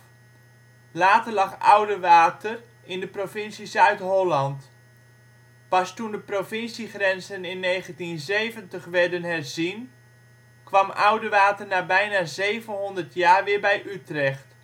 Later lag Oudewater in de provincie Zuid-Holland. Pas toen de provinciegrenzen in 1970 werden herzien kwam Oudewater na bijna 700 jaar weer bij Utrecht